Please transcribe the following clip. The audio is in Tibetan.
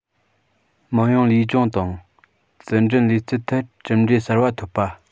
དམངས ཡོངས ལུས སྦྱོང དང རྩལ འགྲན ལུས རྩལ ཐད གྲུབ འབྲས གསར པ ཐོབ པ